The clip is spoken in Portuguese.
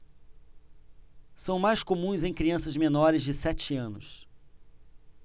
são mais comuns em crianças menores de sete anos